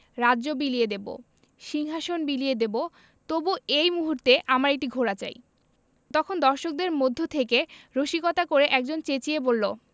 রাজ্য বিলিয়ে দেবো সিংহাশন বিলিয়ে দেবো তবু এই মুহূর্তে আমার একটি ঘোড়া চাই তখন দর্শকদের মধ্য থেকে রসিকতা করে একজন চেঁচিয়ে বললো